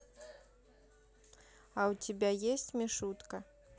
а у тебя есть мишутка